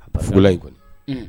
A fugula yen kɔnɔ